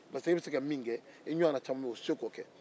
parce que e bɛ se ka mun kɛ i ɲɔna caaman bɛ yen o tɛ se k'o kɛ